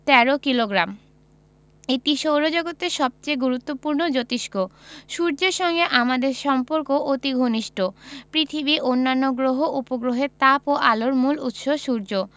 ১৩ kilogram এটি সৌরজগতের সবচেয়ে গুরুত্বপূর্ণ জোতিষ্ক সূর্যের সঙ্গে আমাদের সম্পর্ক অতি ঘনিষ্ট পৃথিবী অন্যান্য গ্রহ উপগ্রহের তাপ ও আলোর মূল উৎস সূর্য